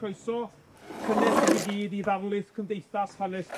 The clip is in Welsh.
croeso cynnes i chi gyd i ddarlith Cymdeithas Hanes